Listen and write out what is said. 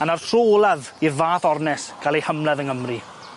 A 'na'r tro olaf i'r fath ornes ca'l ei hymladd yng Ngymru.